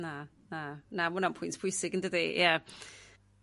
Na na na ma' hwna'n pwynt pwysig yn dydi? Ie